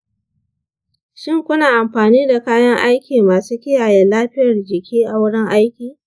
shin kuna amfani da kayan aiki masu kiyaye lafiyar jiki a wurin aiki?